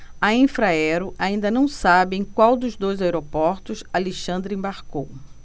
a infraero ainda não sabe em qual dos dois aeroportos alexandre embarcou